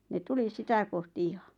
ne tuli sitä kohti ihan